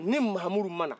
ni mahamudu ma na